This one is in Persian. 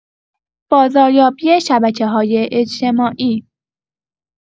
بازاریابی شبکه‌های اجتماعی